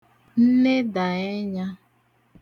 nnedà ẹnyā